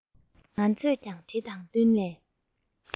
ང ཚོས ཀྱང དེ དང བསྟུན ནས